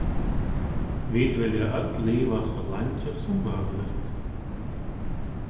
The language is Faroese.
vit vilja øll liva so leingi sum møguligt